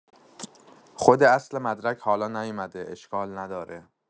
خود اصل مدرک حالا نیومده اشکال نداره